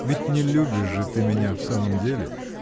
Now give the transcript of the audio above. — Ведь не любишь же ты меня в самом деле.